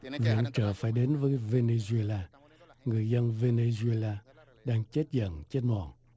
viên trợ phải đến với vê niu giê a người dân vê niu giê a đang chết dần chết mòn